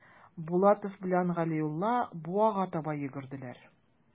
Булатов белән Галиулла буага таба йөгерделәр.